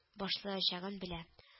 Башлаячагын белә;